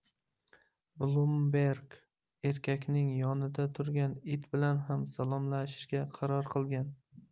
blumberg erkakning yonida turgan it bilan ham salomlashishga qaror qilgan